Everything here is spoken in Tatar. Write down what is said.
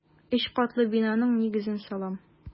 Өч катлы бинаның нигезен салам.